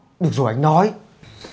được rồi anh nói